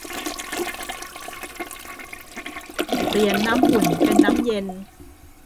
เปลี่ยนน้ำอุ่นเป็นน้ำเย็น